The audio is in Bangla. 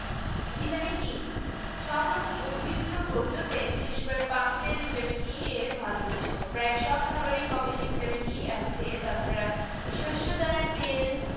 ভিটামিন E সব রকম উদ্ভিজ্জ ভোজ্য তেল বিশেষ করে পাম তেল ভিটামিন E এর ভালো উৎস প্রায় সব খাবারেই কমবেশি ভিটামিন E আছে তাছাড়া শস্যদানার তেল